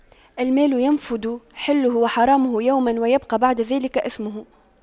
المال ينفد حله وحرامه يوماً ويبقى بعد ذلك إثمه